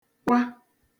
kwa